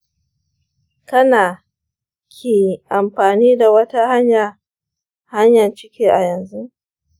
kana/ki amfani da wata hanyar hana ciki a yanzu?